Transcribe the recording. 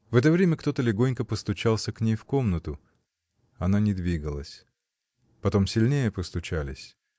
В это время кто-то легонько постучался к ней в комнату. Она не двигалась. Потом сильнее постучались.